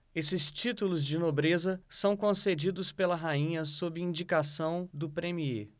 esses títulos de nobreza são concedidos pela rainha sob indicação do premiê